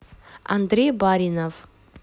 андрей баринов